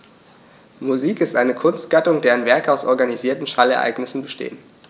Musik ist eine Kunstgattung, deren Werke aus organisierten Schallereignissen bestehen.